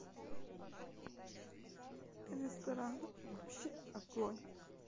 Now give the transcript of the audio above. ресторан вообще огонь